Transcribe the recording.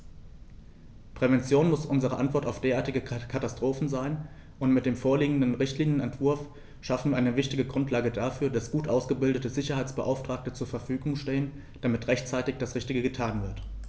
Prävention muss unsere Antwort auf derartige Katastrophen sein, und mit dem vorliegenden Richtlinienentwurf schaffen wir eine wichtige Grundlage dafür, dass gut ausgebildete Sicherheitsbeauftragte zur Verfügung stehen, damit rechtzeitig das Richtige getan wird.